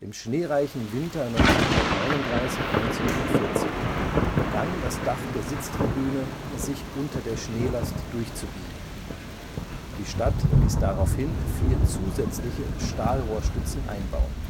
schneereichen Winter 1939 / 40 begann das Dach der Sitztribüne, sich unter der Schneelast durchzubiegen. Die Stadt ließ daraufhin vier zusätzliche Stahlrohrstützen einbauen